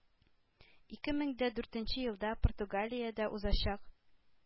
Ике мең дә дүртенче елда Португалиядә узачак